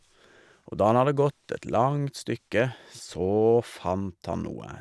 Og da han hadde gått et langt stykke, så fant han noe.